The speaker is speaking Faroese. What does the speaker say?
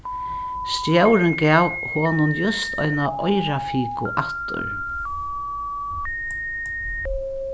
stjórin gav honum júst eina oyrafiku aftur